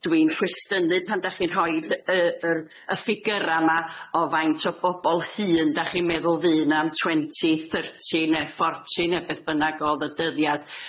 Dwi'n cwestynu pan dach chi'n rhoid yy yr y ffigyra 'ma o faint o bobol hŷn dach chi'n meddwl fydd 'na'n twenty thirty ne forty ne beth bynnag o'dd y dyddiad.